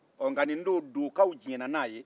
ɔ nka nin don dokaw jɛnna n'a ye